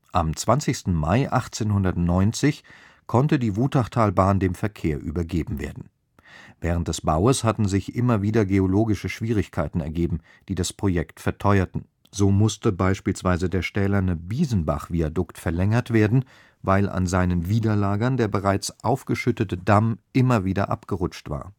Am 20. Mai 1890 konnte die Wutachtalbahn dem Verkehr übergeben werden. Während des Baues hatten sich immer wieder geologische Schwierigkeiten ergeben, die das Projekt verteuerten. So musste beispielsweise der stählerne Biesenbach-Viadukt verlängert werden, weil an seinen Widerlagern der bereits aufgeschüttete Damm immer wieder abgerutscht war